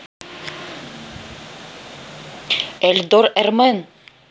эльдор эрмен